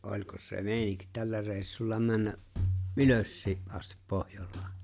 olikos se meininki tällä reissulla mennä ylöskin asti Pohjolaan